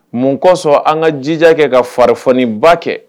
Mun kɔsɔn an ka jija kɛ ka farif ba kɛ